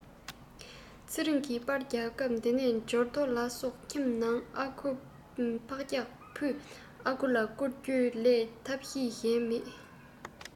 ཚེ རིང གི པར བརྒྱབ སྐབས དེ ནས འབྱོར ཐོ ལ སོགས ཁྱིམ ནང ཨ ཁུ ཕག སྐྱག ཕུད ཨ ཁུ ལ བསྐུར རྒྱུ ལས ཐབས ཤེས གཞན མེད